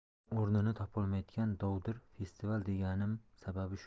o'rnini topolmayotgan dovdir festival deganim sababi shu